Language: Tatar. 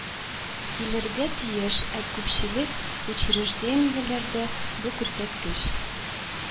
Килергә тиеш, ә күпчелек учреждениеләрдә бу күрсәткеч